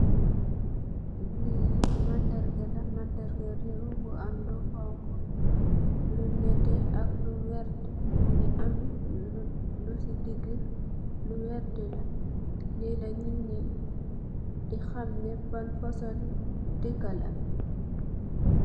Lii màndarga la màndarga rew bu am lu xonxu lu netteh ak lu wert mungi ameh lusi digu lu wert la Lila nitñi di xamneh li ban fasongi dekala.